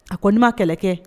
A ko ne ma kɛlɛ kɛ